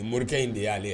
Morikɛ in de y'ale ye